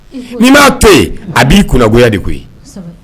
N'i m'a to yen a b'i kungoya de koyi ye